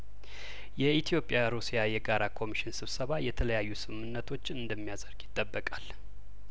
የኢትዮጵያ ሩሲያ የጋራ ኮሚሽን ስብሰባ የተለያዩ ስምምነቶችን እንደሚያጸድቅ ይጠበቃል